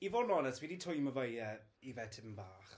I fod yn onest, fi di twymo fo ie... i fe tipyn bach.